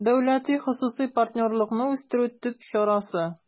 «дәүләти-хосусый партнерлыкны үстерү» төп чарасы